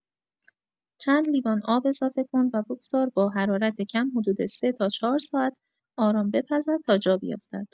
چند لیوان آب اضافه کن و بگذار با حرارت کم حدود ۳ تا ۴ ساعت آرام بپزد تا جا بیفتد.